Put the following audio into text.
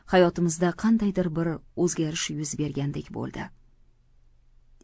hayotimizda qandaydir bir o'zgarish yuz bergandek bo'ldi